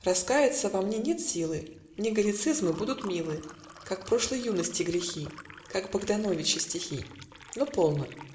Раскаяться во мне нет силы, Мне галлицизмы будут милы, Как прошлой юности грехи, Как Богдановича стихи. Но полно.